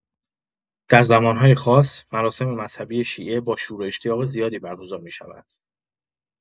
در زمان‌های خاص، مراسم مذهبی شیعه با شور و اشتیاق زیادی برگزار می‌شود.